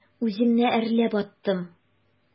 Үземне әрләп аттым.